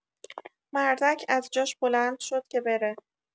مردک از جاش بلند شد که بره